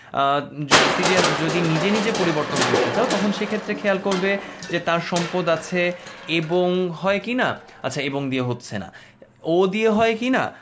serial যদি নিজে নিজে পরিবর্তন করতে চাও তখন সে ক্ষেত্রে খেয়াল করবে তার সম্পদ আছে এবং হয় কিনা আছে এবং দিয়ে হচ্ছে না ও দিয়ে হয় কিনা